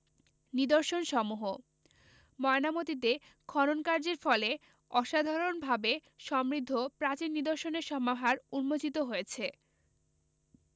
নিদর্শনসমূহঃ ময়নামতীতে খননকার্যের ফলে অসাধারণভাবে সমৃদ্ধ প্রাচীন নিদর্শনের সমাহার উন্মোচিত হয়েছে